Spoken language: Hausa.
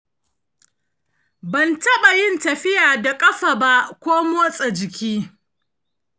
ban taɓa yin tafiya da ƙafa ba ko motsa-jiki.